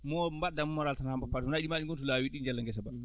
mo mbaddat moral tan haa mbo par ce que nayi ɗii maa ɗi ngoowtu laawi ɗi njalta ngesa mba